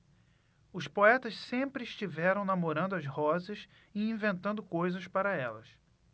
os poetas sempre estiveram namorando as rosas e inventando coisas para elas